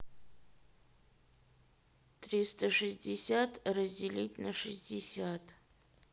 триста шестьдесят разделить на шестьдесят